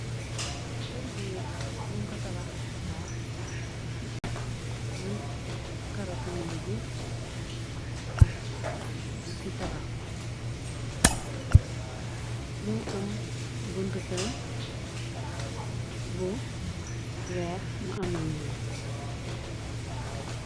Kër bi ñu ko tabax etas ñu karo ci mier bi ak ci tabax bi mi ngi am bunt kër bu weex mu am lañu.